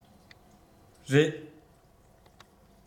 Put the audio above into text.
རེད